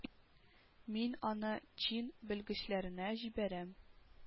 Мин аны чин белгечләренә җибәрәм